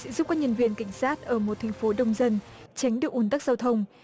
sẽ giúp các nhân viên cảnh sát ở một thành phố đông dân tránh được ùn tắc giao thông